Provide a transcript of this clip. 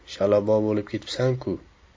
shalabbo bo'lib ketibsan ku